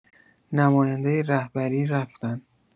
نماینده رهبری رفتن